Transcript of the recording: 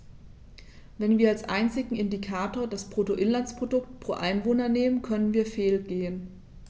Wenn wir als einzigen Indikator das Bruttoinlandsprodukt pro Einwohner nehmen, können wir fehlgehen.